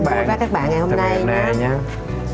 các bạn ngày hôm nay nhá